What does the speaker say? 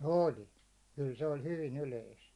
oli kyllä se oli hyvin yleistä